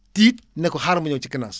tiit ne ko xaaral ma ñëw ci CNAAS